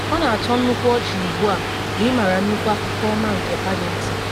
Ọ na atọ nnukwu ọchị ugbu a ma ị mara nnukwu akụkọ ọma nke Paddington.”